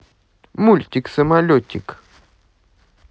мультик самолетик